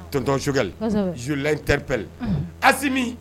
Tɔnontɔnonkɛli zola teriripɛl asi min